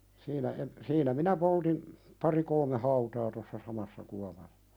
siinä - siinä minä poltin pari kolme hautaa tuossa samassa kuopassa